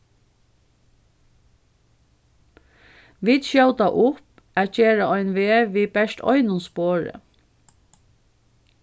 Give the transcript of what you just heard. vit skjóta upp at gera ein veg við bert einum spori